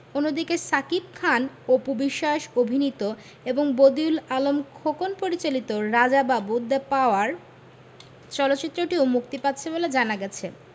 অন্যদিকে শাকিব খান অপু বিশ্বাস অভিনীত এবং বদিউল আলম খোকন পরিচালিত রাজা বাবু দ্যা পাওয়ার চলচ্চিত্রটিও এই মুক্তি পাচ্ছে বলে জানা গেছে